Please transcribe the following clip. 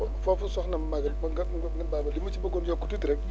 foofu soxna Maguette nga nga baal ma li ma ci bëggoon yokk tuuti rek